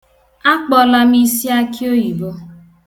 Akpọla m isi akịoyibo.